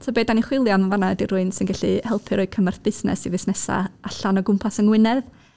So be dan ni'n chwilio am yn fan'na ydy rhywun sy'n gallu helpu rhoi cymorth busnes i fusnesau allan o gwmpas yng Ngwynedd.